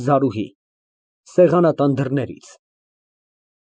ԶԱՐՈՒՀԻ ֊ (Սեղանատան դռներից)։